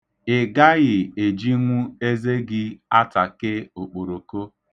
Ị gaghị ejinwu eze gị atake okporoko.